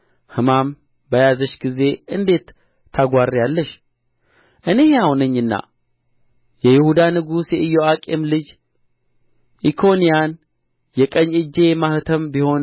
ሕማም በያዘሽ ጊዜ እንዴት ታጓሪያለሽ እኔ ሕያው ነኝና የይሁዳ ንጉሥ የኢዮአቄም ልጅ ኢኮንያን የቀኝ እጄ ማኅተም ቢሆን